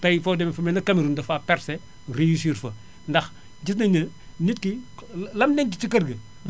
tey foo demee fu mel ne Cameroune daf faa percé réussir fa ndax gis naénu ne nit ki la mu denc ci kër ga